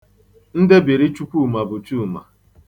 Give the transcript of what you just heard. Ndebiri 'Chukwuma' bụ Chuma.